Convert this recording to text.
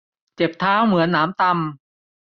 เจ็บเท้าเหมือนหนามตำ